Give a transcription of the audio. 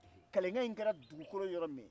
kalekan in kɛra dugukolo yɔrɔ min